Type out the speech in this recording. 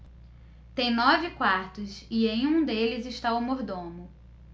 tem nove quartos e em um deles está o mordomo